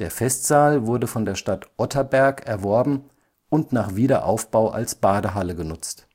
Festsaal wurde von der Stadt Otterberg erworben und nach Wiederaufbau als Badehalle genutzt